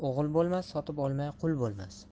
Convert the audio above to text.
bo'lmas sotib olmay qui bo'lmas